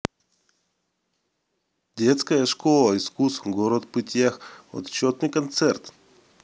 детская школа искусств город пытьях отчетный концерт